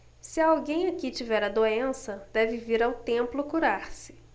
se alguém aqui tiver a doença deve vir ao templo curar-se